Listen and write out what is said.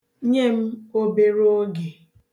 Nye m obere oge.